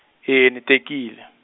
e ni tekile.